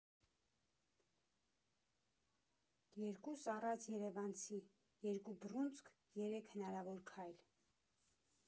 Երկու սառած երևանցի, երկու բռունցք, երեք հնարավոր քայլ։